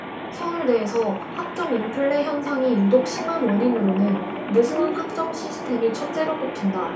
서울대에서 학점 인플레 현상이 유독 심한 원인으로는 느슨한 학점 시스템이 첫째로 꼽힌다